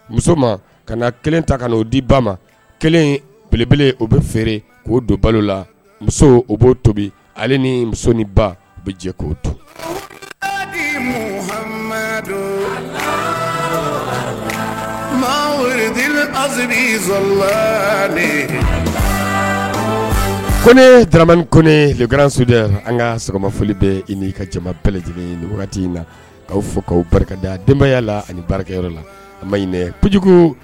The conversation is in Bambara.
Muso ka kelen ta ka n oo di ba ma kelen belebele o bɛ feere k'o don balo la muso o b'o tobi ali ni muso ba bɛ jɛ k'o to la ko nemani ko ne lekraransodi an kama fɔ bɛ ni ka jama bɛɛ lajɛlen wagati in na' fɔ barikada a denbayaya la ani barikayɔrɔ la mainɛ kojugu